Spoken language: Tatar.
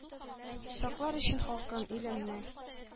Саклар өчен халкым, илемне.